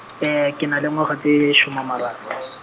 ke na le ngwaga tse, some a mararo.